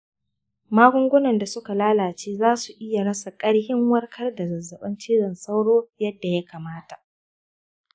magungunan da suka lalace za su iya rasa karfin warkar da zazzabin cizon sauro yadda ya kamata.